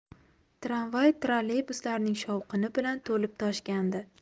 tramvay trolleybuslarning shovqini bilan to'lib toshgandi